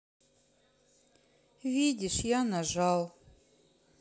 видишь я нажал